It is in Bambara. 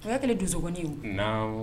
O y'a kɛlen donsonkɔni wo ye, naamu